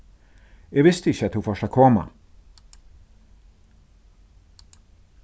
eg visti ikki at tú fórt at koma